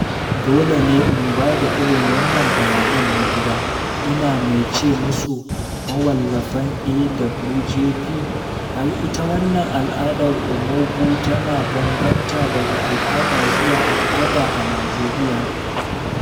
“Dole ne in ba da irin wannan bayanan na gida … Ina mai ce musu [mawallafan AWJP] har ita wannan al’adar omugwo tana bambanta daga al’ada zuwa al’ada a Najeriya.